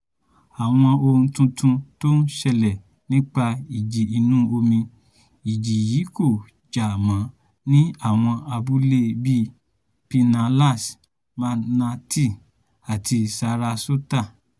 Àwọn ohun tuntun tó ń ṣẹlẹ̀ nípa ìjì inú omi: Ìjì yí kò jà mọ́ ní àwọn abúlé bíi Pinellas, Manatee àti Sarasota